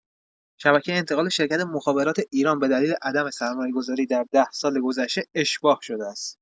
شبکه انتقال شرکت مخابرات ایران بدلیل عدم سرمایه‌گذاری در ۱۰ سال‌گذشته اشباع شده است.